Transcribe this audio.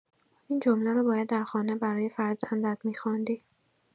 این جمله را باید در خانه برای فرزندت می‌خواندی!